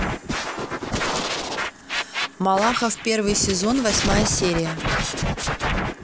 малахов первый сезон восьмая серия